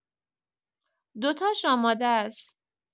دو تاش آماده است.